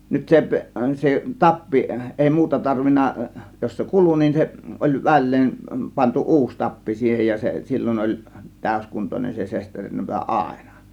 nyt - se tappi ei muuta tarvinnut jos se kului niin se oli väleen pantu uusi tappi siihen ja se silloin oli täyskuntoinen se sesterinnapa aina